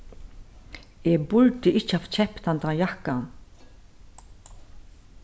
eg burdi ikki havt keypt handan jakkan